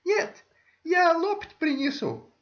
— Нет; я лопать принесу.